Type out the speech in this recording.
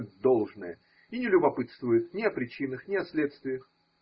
как должное, и не любопытствует ни о причинах, ни о следствиях.